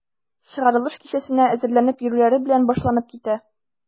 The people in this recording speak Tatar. Чыгарылыш кичәсенә әзерләнеп йөрүләре белән башланып китә.